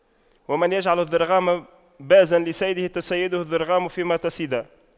ومن يجعل الضرغام بازا لصيده تَصَيَّدَهُ الضرغام فيما تصيدا